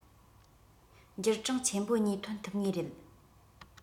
འགྱུར གྲངས ཆེན པོ གཉིས ཐོན ཐུབ ངེས རེད